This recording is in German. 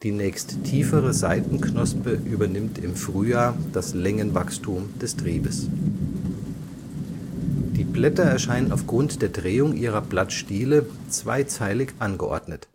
nächsttiefere Seitenknospe übernimmt im Frühjahr das Längenwachstum des Triebes. Die Blätter erscheinen aufgrund der Drehung ihrer Blattstiele zweizeilig angeordnet